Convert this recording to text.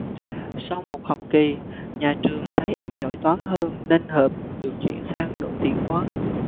sau một học kỳ nhà trường thấy em giỏi toán hơn nên hợp được chuyển sang đội tuyển toán